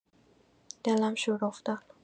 دلم شور افتاد